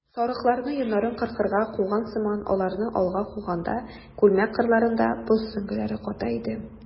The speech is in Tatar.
Сарыкларны йоннарын кыркырга куган сыман аларны алга куганда, күлмәк кырларында боз сөңгеләре ката иде.